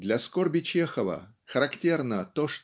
Для скорби Чехова характерно то